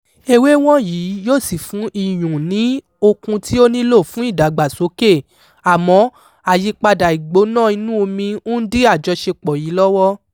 Ewé wọ̀nyí yóò sì fún iyùn ní okun tí ó nílò fún ìdàgbàsókè, àmọ́ àyípadà ìgbóná inú omi ń dí àjọṣepọ̀ yìí lọ́wọ́.